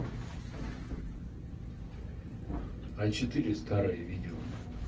а четыре старые видео